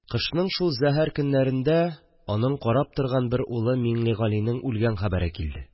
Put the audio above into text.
Кышның шул зәһәр көннәрендә аның карап торган бер улы Миңлегалинең үлгән хәбәре килде